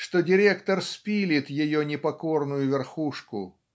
что директор спилит ее непокорную верхушку